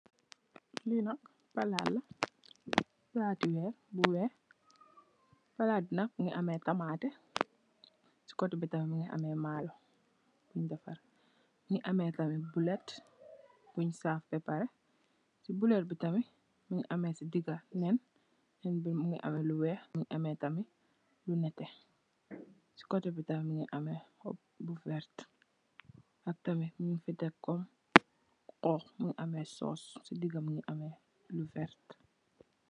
Li nak palat la palati wèèr la bu wèèx. Palat bi nak mugii ameh tamate ci koteh bi tamit mugii ameh maló , mugii ameh tamit buleet buñ saaf be pareh. Si buleet bi tamit mugii ameh si diga nen, nen bi mugii ameh lu wèèx mugii ameh tamit lu netteh, si koteh bi tamit mugii ameh xob bu werta ak tamit ñing fi dèf kom xoox mugii ameh sóós ci diga mugii ameh lu werta.